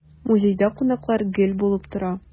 Музейда кунаклар гел булып тора.